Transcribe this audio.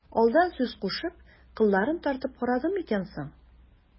Алдан сүз кушып, кылларын тартып карадымы икән соң...